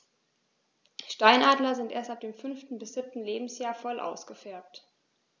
Steinadler sind erst ab dem 5. bis 7. Lebensjahr voll ausgefärbt.